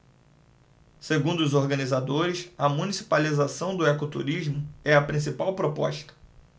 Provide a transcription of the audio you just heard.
segundo os organizadores a municipalização do ecoturismo é a principal proposta